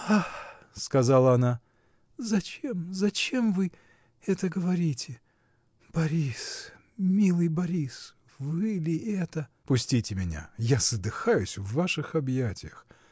— Ах, — сказала она, — зачем, зачем вы. это говорите?. Борис — милый Борис. вы ли это. — Пустите меня! Я задыхаюсь в ваших объятиях!